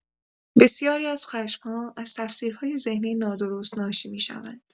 بسیاری از خشم‌ها از تفسیرهای ذهنی نادرست ناشی می‌شوند.